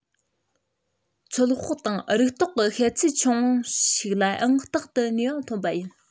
ཚོད དཔག དང རིགས རྟོག གི ཤེད ཚད ཆུང ཞིག ལའང རྟག ཏུ ནུས པ ཐོན པ ཡིན